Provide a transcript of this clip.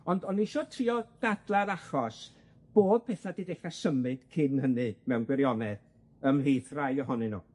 ond o'n i isio trio dadla'r achos bod petha 'di dechra symud cyn hynny mewn gwirionedd ymhlith rhai ohonyn nw.